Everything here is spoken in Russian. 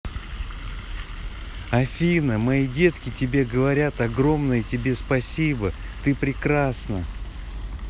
афина мои детки тебе говорят огромное тебе спасибо ты прекрасна